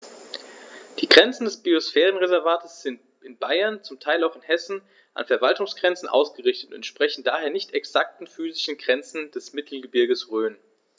Die Grenzen des Biosphärenreservates sind in Bayern, zum Teil auch in Hessen, an Verwaltungsgrenzen ausgerichtet und entsprechen daher nicht exakten physischen Grenzen des Mittelgebirges Rhön.